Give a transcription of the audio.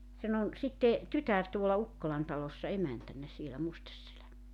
sen on sitten tytär tuolla Ukkolan talossa emäntänä siellä Musteselän